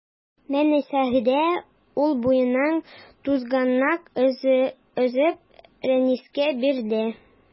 Менә Сәгъдә юл буеннан тузганак өзеп Рәнискә бирде.